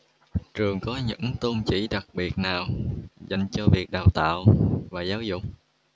trường có những tôn chỉ đặc biệt nào dành cho việc đào tạo và giáo dục